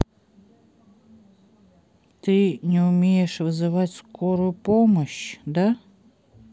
ты не умеешь вызывать скорую помощь да